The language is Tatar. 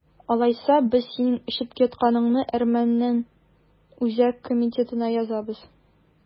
Алайса, без синең эчеп ятканыңны әрмәннең үзәк комитетына язабыз!